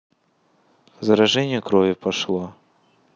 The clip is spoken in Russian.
заражение крови прошло